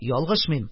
Ялгышмыйм.